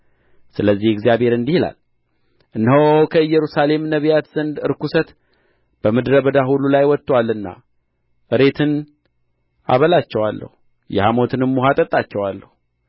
ስለዚህ እግዚአብሔር እንዲህ ይላል እነሆ ከኢየሩሳሌም ነቢያት ዘንድ ርኵሰት በምድር ሁሉ ላይ ወጥቶአልና እሬትን አበላቸዋለሁ የሐሞትንም ውኃ አጠጣቸዋለሁ